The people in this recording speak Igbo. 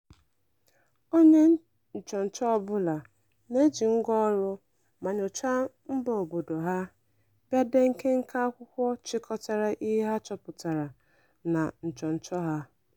Onye nchọcha ọbụla na-eji ngwa ọrụ ma nyocha mba obodo ha, bịa dee nkenke akwụkwọ chịkọtara ihe ha chọpụtara na nchọcha ha.